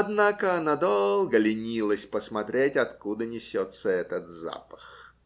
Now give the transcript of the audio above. однако она долго ленилась посмотреть, откуда несется этот запах.